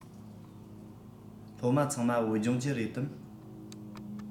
སློབ མ ཚང མ བོད ལྗོངས ཀྱི རེད དམ